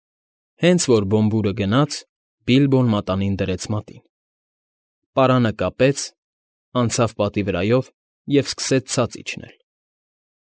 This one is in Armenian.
Հենց որ Բոմբուրը գնաց, Բիլբոն մատանին դրեց մատին, պարանը կապեց, անցավ պատի վրայով և սկսեց ցած իջնել։